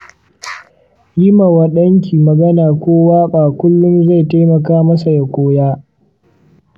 yimawa danki magana ko waka kullum zai taimaka masa ya koya.